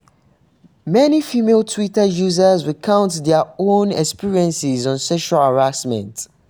Many female Twitter users recount their own experiences of sexual harassment: